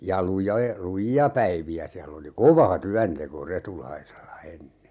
ja - lujia päiviä siellä oli kova työnteko Retulaisella ennen